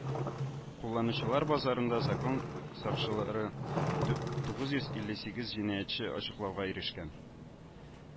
Кулланучылар базарында закон сакчылары дү тугыз йөз илле сигез җинаятьне ачыклауга ирешкән